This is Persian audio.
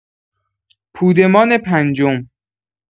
پودمان پنجم